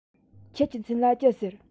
ཁྱེད ཀྱི མཚན ལ ཅི ཟེར